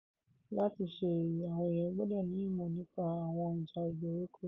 Láti ṣe èyí, àwọn èèyàn gbọdọ̀ ní ìmọ̀ nípa àwọn ọjà ìgbèríko.